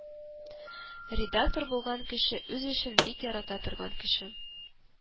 Редактор булган кеше үз эшен бик ярата торган кеше,